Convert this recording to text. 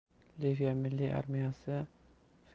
liviya milliy armiyasi feldmarshali xalifa